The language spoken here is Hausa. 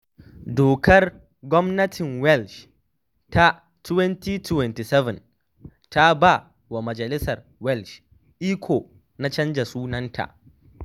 Dokar Gwamnatin Welsh ta 2017 ta ba wa majalisar Welsh iko na canza sunanta.